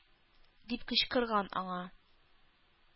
Дип кычкырган аңа.